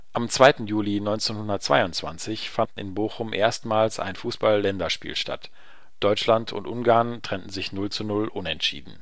Am 2. Juli 1922 fand in Bochum erstmals ein Fußball-Länderspiel statt: Deutschland und Ungarn trennten sich 0:0-Unentschieden